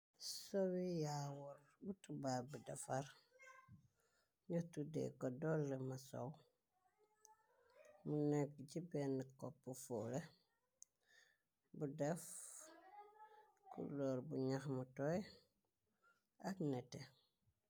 sowi yaawuor bu tubabi defar ño tuddee ko dolle masow mu nekk ci benn kopp foole bu def kuloor bu ñax mu toy ak nete